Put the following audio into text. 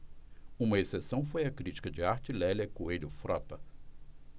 uma exceção foi a crítica de arte lélia coelho frota